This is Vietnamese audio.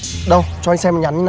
đâu cho anh xem nhắn như